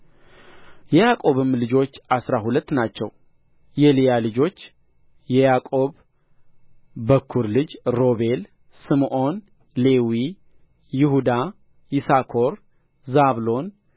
የያዕቆብም ልጆች አሥራ ሁለት ናቸው የልያ ልጆች የያዕቆብ በኵር ልጅ ሮቤል ስምዖን ሌዊ ይሁዳ ይሳኮር ዛብሎን